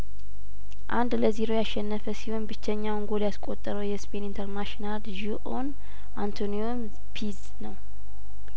አንድ ለዜሮ ያሸነፈ ሲሆን ብቸኛውን ጐል ያስቆጠረው የስፔን ኢንተርናሽናል ዡኦን አንቶኒዮን ፒዝ ነው